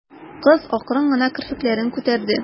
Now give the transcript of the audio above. Кыз акрын гына керфекләрен күтәрде.